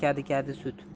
kadi kadi sut